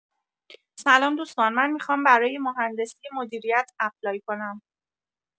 سلام دوستان من میخوام برای مهندسی مدیریت اپلای کنم.